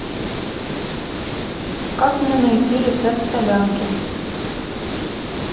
как мне найти рецепт солянки